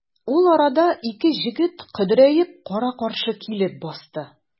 Ул арада ике җегет көдрәеп кара-каршы килеп басты.